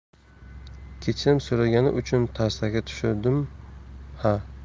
kechirim so'ragani uchun tarsaki tushirdim ha